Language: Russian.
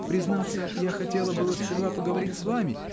Признаться, я хотела было сперва поговорить с вами.